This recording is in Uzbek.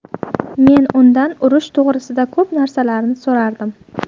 men undan urush to'g'risida ko'p narsalarni so'radim